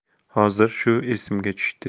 hozir shu esimga tushdi